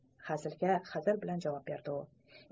u ham hazilga hazil bilan javob berdi